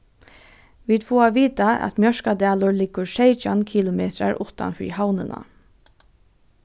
vit fáa at vita at mjørkadalur liggur seytjan km uttan fyri havnina